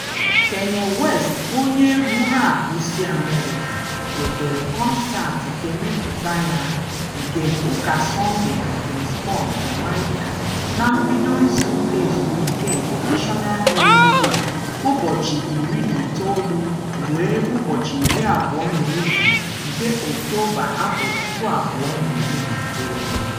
Kanye West, onye egwu raapụ si America wetere kọnsaatị kemmapụta ya nke "Ụka Sọnde" na Kingston, Jamaica, na mbido izu ụka ezumike nke National Heroes Day (ụbọchị 19-21 nke Ọktoba, 2019).